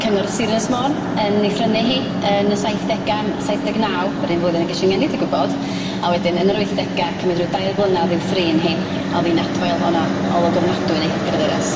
Cyngor Sir Ynys Môn yn ei phrynu hi yn y saithdega- yy saith deg naw yr un flwyddyn y ges i fy ngeni digwydd bod a wedyn yn yr wythdega cymyd ryw dair blynadd i'w thrin hi a o'dd hi'n adfail o'na olwg ofnadwy arni graduras.